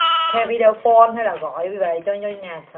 ke vi đê ô phôn hay là gọi về cho nhà